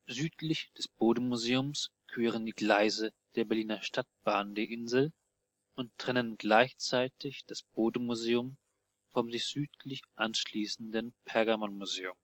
Südlich des Bode-Museums queren die Gleise der Berliner Stadtbahn die Insel und trennen gleichzeitig das Bode-Museum vom sich südlich anschließenden Pergamonmuseum